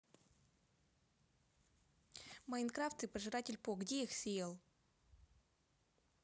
minecraft и пожиратель по где их съел